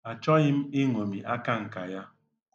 Achọghị m iṅomi akanka ya.